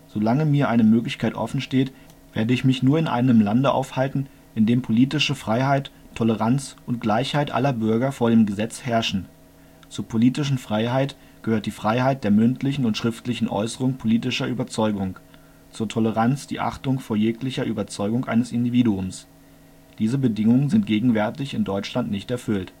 Solange mir eine Möglichkeit offen steht, werde ich mich nur in einem Lande aufhalten, in dem politische Freiheit, Toleranz und Gleichheit aller Bürger vor dem Gesetz herrschen. Zur politischen Freiheit gehört die Freiheit der mündlichen und schriftlichen Äußerung politischer Überzeugung, zur Toleranz die Achtung vor jeglicher Überzeugung eines Individuums. Diese Bedingungen sind gegenwärtig in Deutschland nicht erfüllt